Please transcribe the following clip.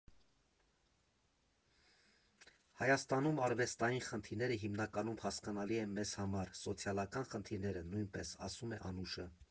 Հայաստանում արվեստային խնդիրները հիմնականում հասկանալի էին մեզ համար, սոցիալական խնդիրները՝ նույնպես, ֊ ասում է Անուշը։